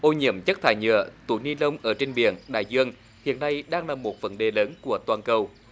ô nhiễm chất thải nhựa túi ni lông ở trên biển đại dương hiện nay đang là một vấn đề lớn của toàn cầu